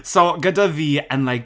So gyda fi yn like